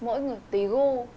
mỗi người tùy gu